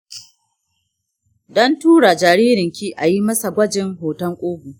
dan tura jaririnki ayi masa gwajin hoton kugu.